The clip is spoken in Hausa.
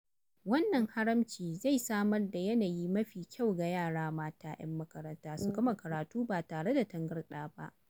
Wannan haramci zai samar da yanayi mafi kyau ga yara mata 'yan makaranta su gama karatu ba tare da tangarɗa ba,